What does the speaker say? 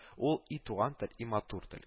Ул и туган тел, и матур тел